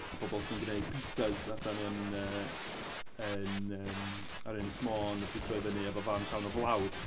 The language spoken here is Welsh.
Y bobl sy'n gwneud pizzas allan yn yy yn yym ar Ynys Môn 'di troi fyny efo fan llawn o flawd.